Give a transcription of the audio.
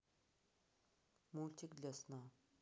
мультик для сна